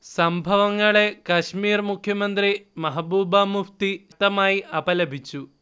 സംഭവങ്ങളെ കശ്മീർ മുഖ്യമന്ത്രി മെഹ്ബൂബ മുഫ്തി ശക്തമായി അപലപിച്ചു